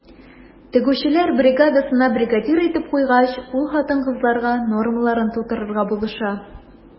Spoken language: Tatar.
Тегүчеләр бригадасына бригадир итеп куйгач, ул хатын-кызларга нормаларын тутырырга булыша.